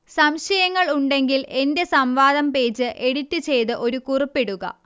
സംശയങ്ങൾ ഉണ്ടെങ്കിൽ എന്റെ സംവാദം പേജ് എഡിറ്റ് ചെയ്ത് ഒരു കുറിപ്പ് ഇടുക